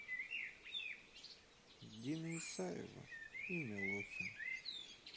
дина исаева и милохин